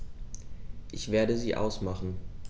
Ich werde sie ausmachen.